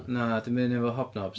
Na dim byd i wneud efo Hobnobs.